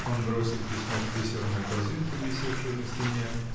Он бросил письмо в бисерную корзинку висевшую на стене